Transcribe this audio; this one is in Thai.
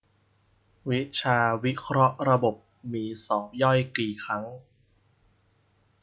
วิชาวิเคราะห์ระบบมีสอบย่อยกี่ครั้ง